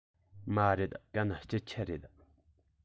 མ རེད གན སྐྱིད ཆུ རེད